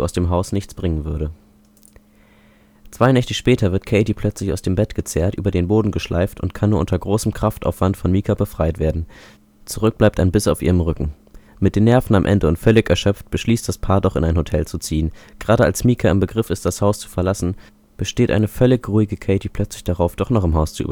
dem Haus nichts bringen würde. Zwei Nächte später wird Katie plötzlich aus dem Bett gezerrt, über den Boden geschleift und kann nur unter großem Kraftaufwand von Micah befreit werden. Zurück bleibt ein Biss auf ihrem Rücken. Mit den Nerven am Ende und völlig erschöpft beschließt das Paar, doch in ein Hotel zu ziehen. Gerade als Micah im Begriff ist das Haus zu verlassen, besteht eine völlig ruhige Katie plötzlich darauf, doch noch im Haus zu übernachten